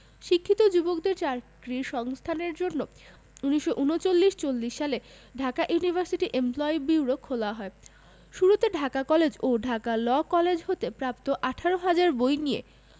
শিক্ষিত যুবকদের চাকরির সংস্থানের জন্য ১৯৩৯ ৪০ সালে ঢাকা ইউনিভার্সিটি এমপ্লয়ি বিউরো খোলা হয় শুরুতে ঢাকা কলেজ ও ঢাকা ল কলেজ হতে প্রাপ্ত ১৮ হাজার বই নিয়ে